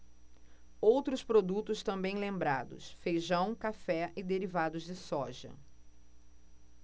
outros produtos também lembrados feijão café e derivados de soja